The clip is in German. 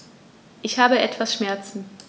Ich habe etwas Schmerzen.